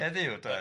Heddiw de.